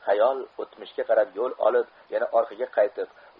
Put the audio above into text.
hayol o'tmishga karab yo'l olib yana orqaga qaytib